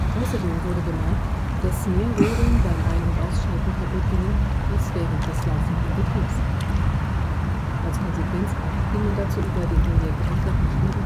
Außerdem wurde bemerkt, dass mehr Röhren beim Ein - und Ausschalten kaputt gingen, als während des laufenden Betriebs. Als Konsequenz ging man dazu über, den ENIAC einfach nicht mehr auszuschalten